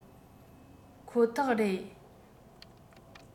ཁོ ཐག རེད